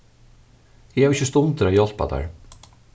eg havi ikki stundir at hjálpa tær